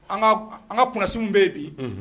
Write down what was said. An ka kunasgiw mun bɛ yen bi